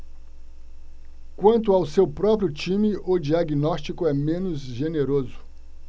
quanto ao seu próprio time o diagnóstico é menos generoso